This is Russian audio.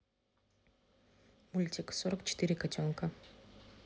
мультик сорок четыре котенка